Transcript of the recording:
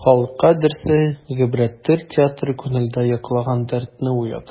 Халыкка дәрсе гыйбрәттер театр, күңелдә йоклаган дәртне уятыр.